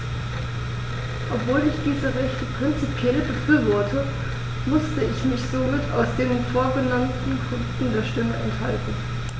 Obwohl ich diese Rechte prinzipiell befürworte, musste ich mich somit aus den vorgenannten Gründen der Stimme enthalten.